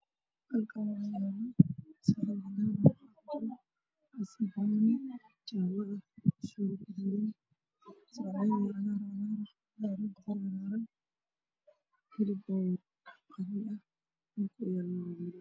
Waa saxan waxaa ku jira pastor makanooni midabkeedu yahay jaalo waxaa sano khudar cagaaran